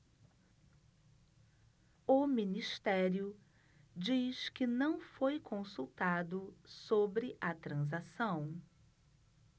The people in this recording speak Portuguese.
o ministério diz que não foi consultado sobre a transação